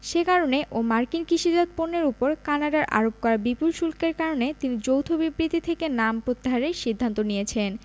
সে কারণে ও মার্কিন কৃষিজাত পণ্যের ওপর কানাডার আরোপ করা বিপুল শুল্কের কারণে তিনি যৌথ বিবৃতি থেকে নাম প্রত্যাহারের সিদ্ধান্ত নিয়েছেন